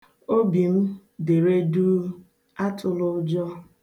Obi m, dere duu. Atụla ụjọ!